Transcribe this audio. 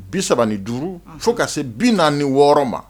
Bi saba ni duuru fo ka se bi naani ni wɔɔrɔ ma